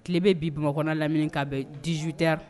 Tile bɛ bi bamakɔkɔnɔ lamini ka bɛ dijte